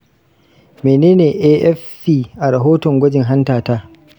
menene afp a rahoton gwajin hantata?